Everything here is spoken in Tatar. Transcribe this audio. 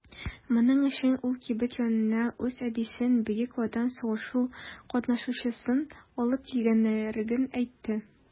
Моның өчен ул кибет янына үз әбисен - Бөек Ватан сугышы катнашучысын алып килгәнлеген әйтте.